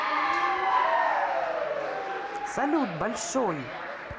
салют большой